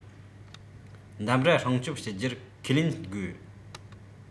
འདམ ར སྲུང སྐྱོང བྱེད རྒྱུར ཁས ལེན དགོས